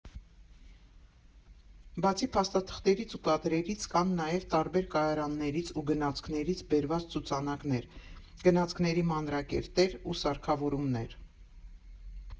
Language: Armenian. Բացի փաստաղթերից ու կադրերից, կան նաև տարբեր կայարաններից ու գնացքներից բերված ցուցանակներ, գնացնքերի մանրակերտեր ու սարքավորումներ։